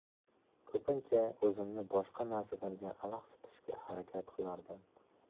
ko'pincha o'zimni boshqa narsalarga alahsitishga harakat qilardim